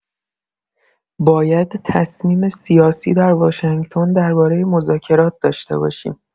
باید تصمیم سیاسی در واشنگتن درباره مذاکرات داشته باشیم.